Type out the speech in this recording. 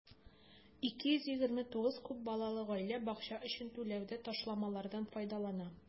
229 күп балалы гаилә бакча өчен түләүдә ташламалардан файдалана.